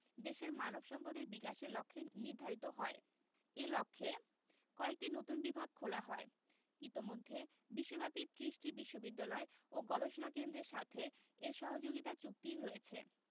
দেশের মানব সম্পদের বিকাশের লক্ষ্য নির্ধারিত হয় এ লক্ষ্যে কয়েকটি নতুন বিভাগ খোলা হয় ইতোমধ্যে বিশ্বব্যাপী ত্রিশটি বিশ্ববিদ্যালয় ও গবেষণা কেন্দ্রের সাথে এর সহযোগিতা চুক্তি হয়েছে